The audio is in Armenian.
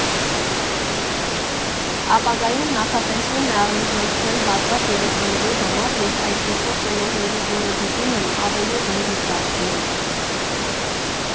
Ապագայում նախատեսվում է առանձնացնել հատված երեխաների համար և այդպիսով ծնողների կինոդիտումն էլ ավելի հանգիստ դարձնել։